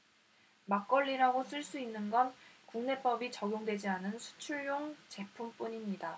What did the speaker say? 막걸리라고 쓸 수 있는 건 국내법이 적용되지 않는 수출용 제품뿐 입니다